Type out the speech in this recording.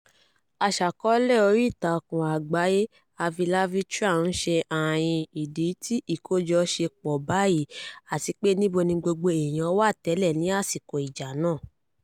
Aṣàkọọ́lẹ̀ oríìtakùn àgbáyé Avylavitra ń ṣe ààhin ìdí tí ìkọ́jọ ṣe pọ̀ báyìí àti pé níbo ni gbogbo èèyàn wà tẹ́lẹ̀ ní àsìkò ìjà náà (mg)?